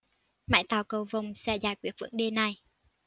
máy tạo cầu vồng sẽ giải quyết vấn đề này